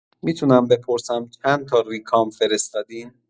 می‌تونم بپرسم چندتا ریکام فرستادین؟